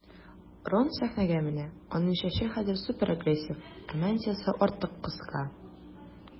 Рон сәхнәгә менә, аның чәче хәзер суперагрессив, ә мантиясе артык кыска.